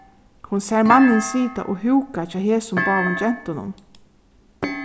hon sær mannin sita og húka hjá hesum báðum gentunum